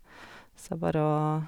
Så er bare å...